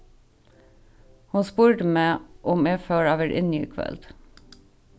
hon spurdi meg um eg fór at vera inni í kvøld